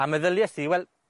A meddyliest i, wel